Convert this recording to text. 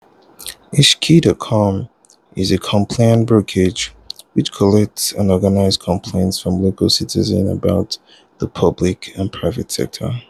Ishki.com is a complaint brokerage which collects and organizes complaints from local citizens about the public and private sector.